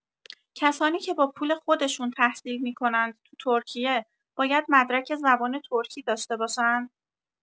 کسانی که با پول خودشون تحصیل می‌کنند تو ترکیه باید مدرک زبان ترکی داشته باشند؟